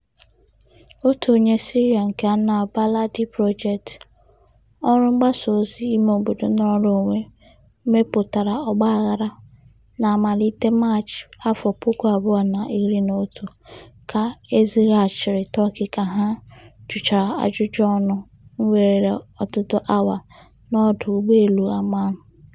Otu onye Syria nke Enab Baladi project, ọrụ mgbasaozi imeobodo nọọrọ onwe mepụtara ọgbaghara na mmalite Maachị 2011, ka ezighachiri Turkey ka ha jụchara ajụjụọnụ were ọtụtụ awa n'ọdụ ụgbọelu Amman.